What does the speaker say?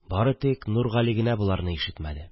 Бары тик Нургали генә боларны ишетмәде